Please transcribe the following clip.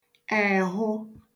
èhụ